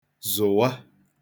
zụ̀wa